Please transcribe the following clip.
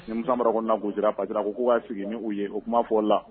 Nimisa mara na goodira fasara ko k' y'a sigi ni u ye o kuma fɔ la